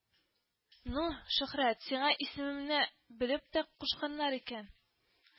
– ну, шөһрәт, сиңа исемеңне белеп тә кушканнар икән